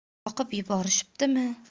yoqib yuborishibdimi